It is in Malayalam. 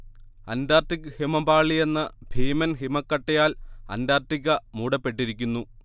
അന്റാർട്ടിക് ഹിമപാളി എന്ന ഭീമൻ ഹിമക്കട്ടയാൽ അന്റാർട്ടിക്ക മൂടപ്പെട്ടിരിക്കുന്നു